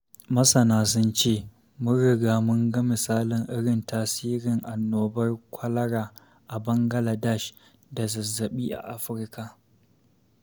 Masana sun ce, mun riga mun ga misalin irin tasirin annobar kwalara a Bangaladsh da zazzaɓi a Afirka.